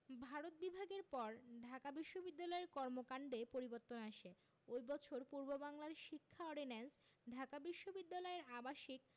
ভারত বিভাগের পর ঢাকা বিশ্ববিদ্যালয়ের কর্মকান্ডে পরিবর্তন আসে ওই বছর পূর্ববাংলার শিক্ষা অর্ডিন্যান্স ঢাকা বিশ্ববিদ্যালয়ের আবাসিক